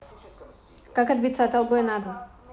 как отбиться от oldboy на два